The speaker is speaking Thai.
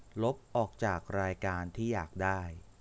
ลบออกจากรายการที่อยากได้